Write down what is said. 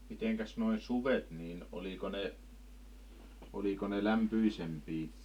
mitenkäs noin suvet niin oliko ne oliko ne lämpöisempiä